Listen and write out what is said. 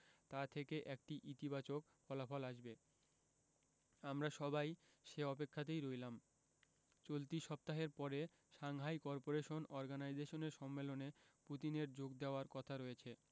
তা থেকে একটি ইতিবাচক ফলাফল আসবে আমরা সবাই সে অপেক্ষাতেই রইলাম চলতি সপ্তাহের পরে সাংহাই করপোরেশন অর্গানাইজেশনের সম্মেলনে পুতিনের যোগ দেওয়ার কথা রয়েছে